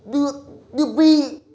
đưa đưa pi